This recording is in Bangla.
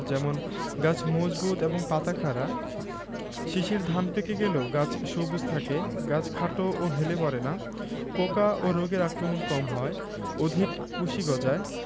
যেমনঃ গাছ মজবুত এবং পাতা খাড়া শীষের ধান পেকে গেলেও গাছ সবুজ থাকে গাছ খাটো ও হেলে পড়ে না পোকা ও রোগের আক্রমণ কম হয় অধিক কুশি গজায়